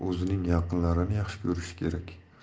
o'zining yaqinlarini yaxshi ko'rishi kerak